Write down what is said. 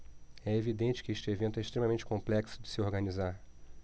é evidente que este evento é extremamente complexo de se organizar